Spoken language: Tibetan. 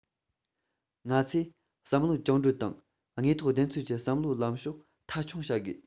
ང ཚོས བསམ བློ བཅིངས འགྲོལ དང དངོས ཐོག བདེན འཚོལ གྱི བསམ བློའི ལམ ཕྱོགས མཐའ འཁྱོངས བྱ དགོས